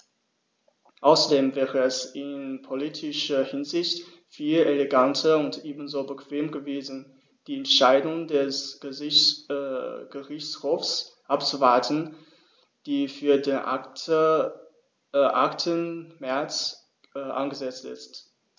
Außerdem wäre es in politischer Hinsicht viel eleganter und ebenso bequem gewesen, die Entscheidung des Gerichtshofs abzuwarten, die für den 8. März angesetzt ist.